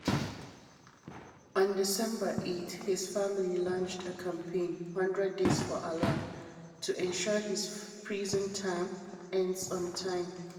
On December 8, his family launched a campaign — "100 days for Alaa" — to ensure his prison term ends on time.